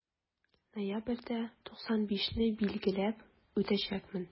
Ноябрьдә 95 не билгеләп үтәчәкмен.